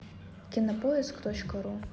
кинопоиск точка ру